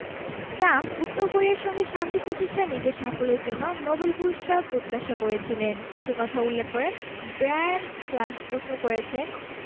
Trump উত্তর কোরিয়ার সঙ্গে শান্তি প্রতিষ্ঠায় নিজের সাফল্যের জন্য নোবেল পুরস্কার প্রত্যাশা করেছিলেন সে কথা উল্লেখ করে ব্রায়ান ক্লাস প্রশ্ন করেছেন